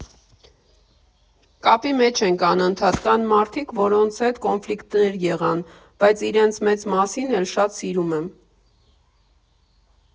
Կապի մեջ ենք անընդհատ, կան մարդիկ, որոնց հետ կոնֆլիկտներ եղան, բայց իրենց մեծ մասին էլ շատ սիրում եմ։